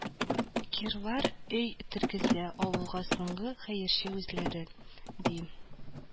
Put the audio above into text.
Кирлар өй тергезә, авылда соңгы хәерче үзләре, ди